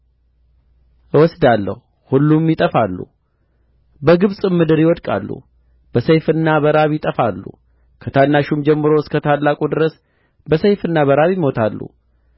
እወስዳለሁ ሁሉም ይጠፋሉ በግብጽም ምድር ይወድቃሉ በሰይፍና በራብ ይጠፋሉ ከታናሹም ጀምሮ እስከ ታላቁ ድረስ በሰይፍና በራብ ይሞታሉ